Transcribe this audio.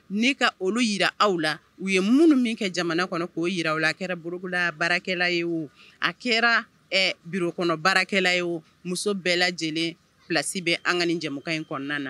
' ka olu jira aw la u ye minnu min kɛ jamana kɔnɔ k'o jira u a kɛra buruugula baarakɛlala ye o a kɛra bkɔnɔbarakɛlala ye oo muso bɛɛ lajɛlen filasi bɛ an ka ni jama in kɔnɔna na